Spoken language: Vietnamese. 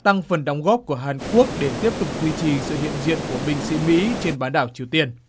tăng phần đóng góp của hàn quốc để tiếp tục duy trì sự hiện diện của binh sĩ mỹ trên bán đảo triều tiên